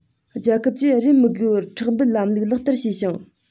རྒྱལ ཁབ ཀྱིས རིན མི དགོས བར ཁྲག འབུལ ལམ ལུགས ལག བསྟར བྱས ཤིང